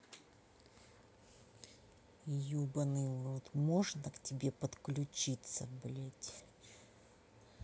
ебаный в рот можно к тебе подключиться блядь